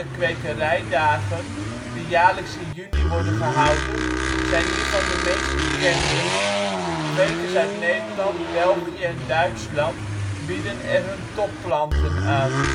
Kwekerijdagen ", die jaarlijks in juni worden gehouden, zijn hiervan de meest bekende. Kwekers uit Nederland, België en Duitsland bieden er hun topplanten aan